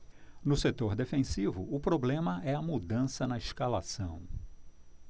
no setor defensivo o problema é a mudança na escalação